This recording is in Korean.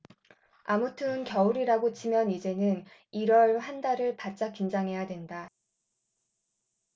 아무튼 겨울이라고 치면 이제는 일 월 한 달을 바짝 긴장해야 된다